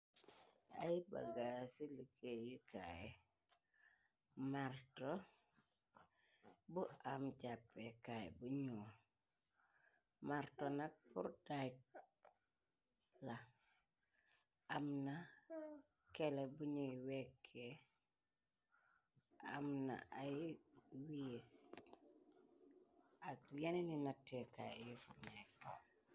Ay baggaa ci liggéeyu kaay marto bu am jàppe kaay bu ñuul marto nak purdaaj la am na kele buñuy wekke am na ay wiis ak yene ni natte kaay yufa neka.